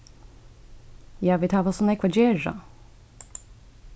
ja vit hava so nógv at gera